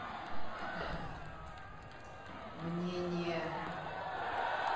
мне не